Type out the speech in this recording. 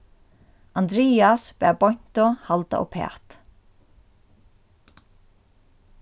andrias bað beintu halda uppat